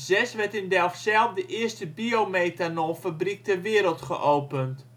2006 werd in Delfzijl de eerste Biomethanol fabriek ter wereld geopend